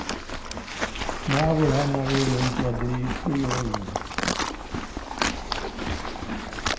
maður hennara er rýmdur á dyr í øðini